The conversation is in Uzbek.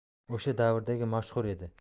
o'sha davrdagi mashhur edi